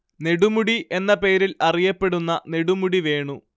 നെടുമുടി എന്ന പേരിൽ അറിയപ്പെടുന്ന നെടുമുടി വേണു